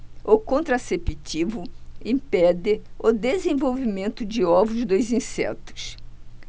o contraceptivo impede o desenvolvimento de ovos dos insetos